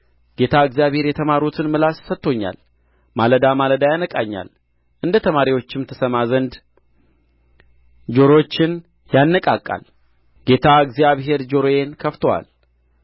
ጌታ እግዚአብሔር የተማሩትን ምላስ ሰጥቶኛል ማለዳ ማለዳ ያነቃኛል እንደ ተማሪዎችም ትሰማ ዘንድ ጆሮዬን ያነቃቃል ጌታ እግዚአብሔር ጆሮዬን ከፍቶአል